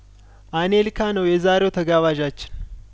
አኔልካ ነው የዛሬው ተጋባዣችን